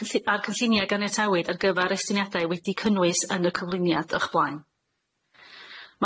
cynllun- a'r cynllunia' ganiatawyd ar gyfar estyniadau wedi cynnwys yn y cyflwyniad o'ch blaen.